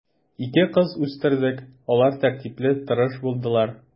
Ике кыз үстердек, алар тәртипле, тырыш булдылар.